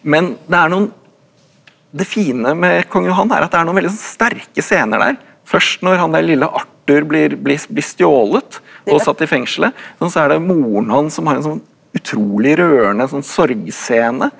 men det er noen det fine med kong Johan er at det er noen veldig sånn sterke scener der først når han der lille Arthur blir blir blir stjålet og satt i fengselet sånn så er det moren hans som har en sånn utrolig rørende sånn sorgscene.